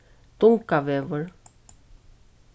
dungavegur